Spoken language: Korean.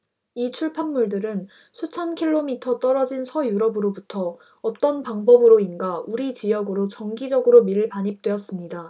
이 출판물들은 수천 킬로미터 떨어진 서유럽으로부터 어떤 방법으로인가 우리 지역으로 정기적으로 밀반입되었습니다